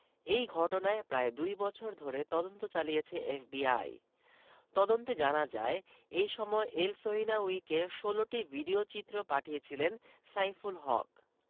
এই ঘটনায় প্রায় দুই বছর ধরে তদন্ত চালিয়েছে এফবিআই তদন্তে জানা যায় এ সময় এলসহিনাউয়িকে ১৬টি ভিডিওচিত্র পাঠিয়েছিলেন সাইফুল হক